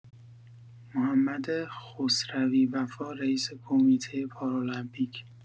محمد خسروی وفا رئیس کمیته پارالمپیک